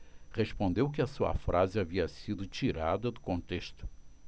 respondeu que a sua frase havia sido tirada do contexto